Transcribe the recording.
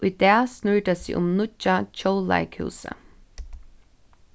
í dag snýr tað seg um nýggja tjóðleikhúsið